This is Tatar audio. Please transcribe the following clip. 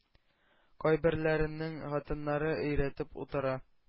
Кайберләренең хатыннары өйрәтеп утыра.